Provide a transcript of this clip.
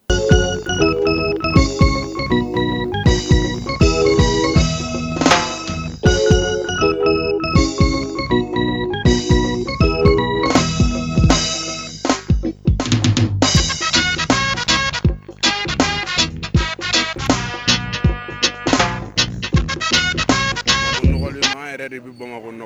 Yɛrɛ de bɛ